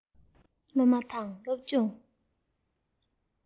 སློབ མ དང སློབ སྦྱོང